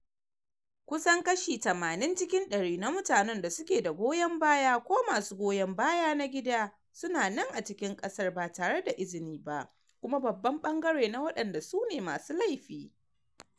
"Kusan kashi 80 cikin dari na mutanen da suke da goyon baya ko masu goyon baya na gida su na nan a cikin kasar ba tare da izini ba, kuma babban ɓangare na waɗanda su ne masu laifi.